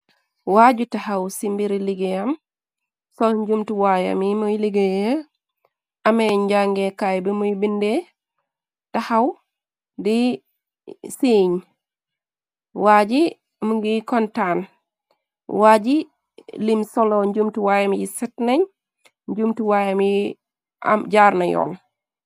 Waaju taxaw ci mbiri liggéeyam, sol njumtu waayam yi muy liggéeye, ameh njàngee kaay bi muy bindeh, taxaw di singh, waaji mingy kontaan, waaji lim solo njumti waayam yi set nengh, njumtu waayam yi am jaarna yoon.